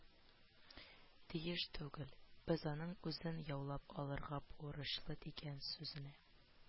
Тиеш түгел, без аның үзен яулап алырга бурычлы» дигән сүзенә